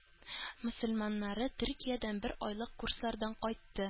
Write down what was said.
Мөселманнары төркиядән бер айлык курслардан кайтты